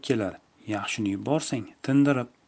kelar yaxshini yuborsang tindirib